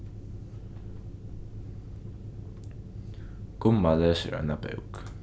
gumma lesur eina bók